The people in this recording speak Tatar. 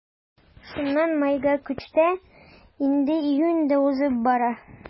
Шуннан майга күчте, инде июнь дә узып бара.